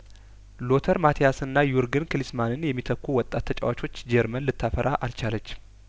ሉተር ማቲያስና ዩርገን ክሊንስማንን የሚተኩ ወጣት ተጫዋቾች ጀርመን ልታፈራ አልቻለችም